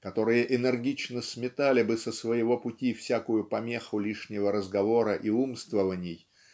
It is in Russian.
которые энергично сметали бы со своего пути всякую помеху лишнего разговора и умствований